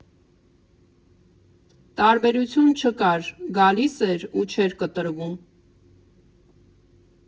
Տարբերություն չկար, գալիս էր ու չէր կտրվում։